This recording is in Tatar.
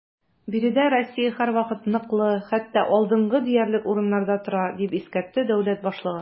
Биредә Россия һәрвакыт ныклы, хәтта алдынгы диярлек урыннарда тора, - дип искәртте дәүләт башлыгы.